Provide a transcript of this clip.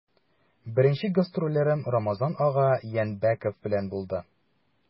Беренче гастрольләрем Рамазан ага Янбәков белән булды.